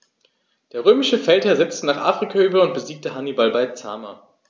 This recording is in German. Der römische Feldherr setzte nach Afrika über und besiegte Hannibal bei Zama.